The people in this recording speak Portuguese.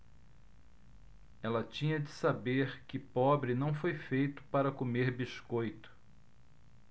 ela tinha de saber que pobre não foi feito para comer biscoito